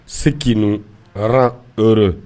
Segin a o